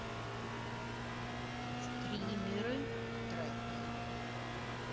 стримеры трек